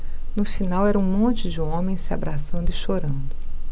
no final era um monte de homens se abraçando e chorando